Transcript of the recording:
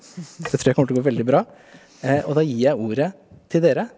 det tror jeg kommer til å gå veldig bra, og da gir jeg ordet til dere.